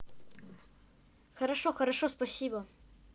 хорошо хорошо спасибо